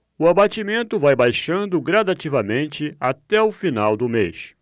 o abatimento vai baixando gradativamente até o final do mês